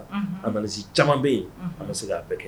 Unhun analyse caman bɛ ye unhun an ma se ka bɛɛ kɛ